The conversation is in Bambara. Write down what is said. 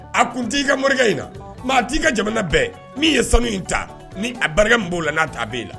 A kun t'i ka morikɛ in na, maa t'i ka jamana bɛɛ min ye sanu in ta, ni a barika min b'o la n'a ta a b'e la.